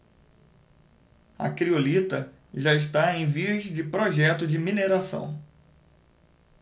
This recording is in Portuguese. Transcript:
a criolita já está em vias de projeto de mineração